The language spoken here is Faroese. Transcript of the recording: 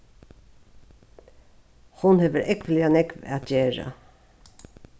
hon hevur ógvuliga nógv at gera